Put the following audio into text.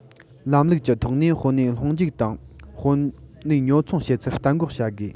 ལམ ལུགས ཀྱི ཐོག ནས དཔོན གནས སློང རྒྱུག དང དཔོན གནས ཉོ འཚོང བྱེད ཚུལ གཏན འགོག བྱ དགོས